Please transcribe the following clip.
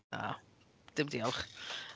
Na dim diolch.